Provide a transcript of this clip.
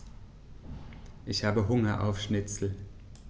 Ich habe Hunger auf Schnitzel.